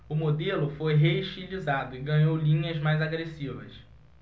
o modelo foi reestilizado e ganhou linhas mais agressivas